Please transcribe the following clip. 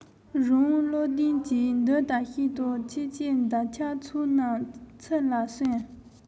རི བོང བློ ལྡན གྱིས འདི ལྟར བཤད དོ ཀྱེ ཀྱེ འདབ ཆགས ཚོགས རྣམས ཚུར ལ གསོན